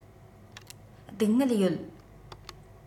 སྡུག སྔལ ཡོད